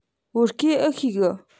བོད སྐད ཨེ ཤེས གི